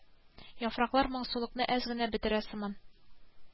Яфраклар моңсулыкны әз генә бетерә сыман